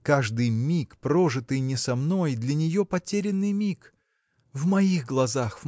Каждый миг, прожитый не со мной, для нее потерянный миг. В моих глазах